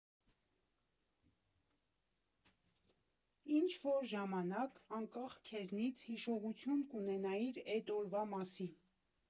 Ինչ֊որ ժամանակ, անկախ քեզնից հիշողություն կունենայիր էդ օրվա մասին։